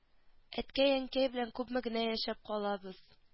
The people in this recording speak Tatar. Әткәй-әнкәй белән күпме генә яшәп калабыз